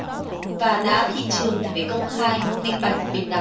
và đã thị trường thì phải công khai minh bạch bình đẳng